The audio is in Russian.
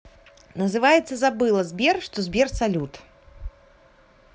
называется забыла сбер что сбер салют